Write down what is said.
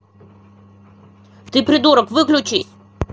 ты придурок выключись